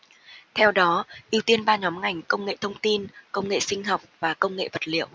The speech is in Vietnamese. theo đó ưu tiên ba nhóm ngành công nghệ thông tin công nghệ sinh học và công nghệ vật liệu